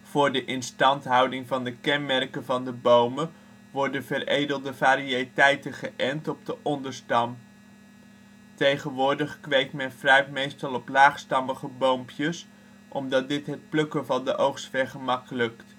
Voor de instandhouding van de kenmerken van de bomen worden veredelde variëteiten geënt op een onderstam. Tegenwoordig kweekt men fruit meestal op laagstammige boompjes omdat dit het plukken van de oogst vergemakkelijkt